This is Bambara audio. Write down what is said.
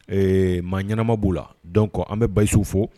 Ɛɛ maa ɲɛnaanama b'u la dɔn kɔ an bɛ basisiww fo